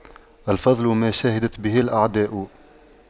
الفضل ما شهدت به الأعداء